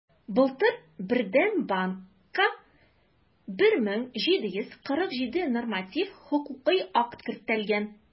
Былтыр Бердәм банкка 1747 норматив хокукый акт кертелгән.